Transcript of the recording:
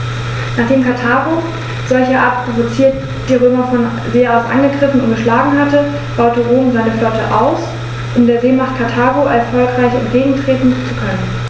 Nachdem Karthago, solcherart provoziert, die Römer von See aus angegriffen und geschlagen hatte, baute Rom seine Flotte aus, um der Seemacht Karthago erfolgreich entgegentreten zu können.